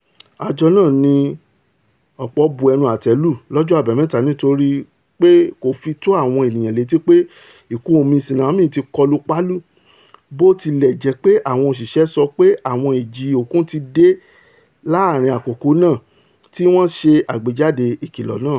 Àjọ náà ni ọ̀pọ̀ bu ẹnu àtẹ́ lù lọ́jọ́ Àbámẹ́ta nítorípe kò fitó àwọn ènìyàn létí pe ìkún-omi tsunami ti kọlu Palu, bó tilẹ̀ jẹ́ pé àwọn òṣiṣẹ́ sọ pé àwọn ìjì òkun ti dé láàrin àkókò náà tí wọ́n ṣe àgbéjáde ìkìlọ̀ náà.